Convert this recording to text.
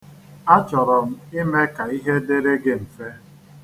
Achọrọ m ime ka ihe dịrị gị mfe.